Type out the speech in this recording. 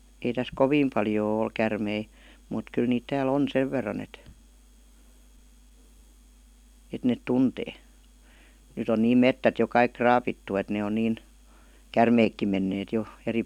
ei tässä kovin paljoa ole käärmeitä mutta kyllä niitä täällä on sen verran että että ne tuntee nyt on niin metsät jo kaikki raavittu että ne on niin käärmeetkin menneet jo eri